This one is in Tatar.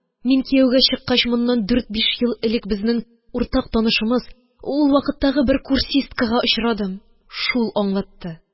Мин кияүгә чыккач, моннан дүрт-биш ел элек безнең уртак танышымыз – ул вакыттагы бер курсисткага очрадым, шул аңлатты.